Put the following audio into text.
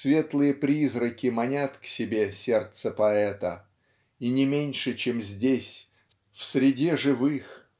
светлые призраки манят к себе сердце поэта и не меньше чем здесь в среде живых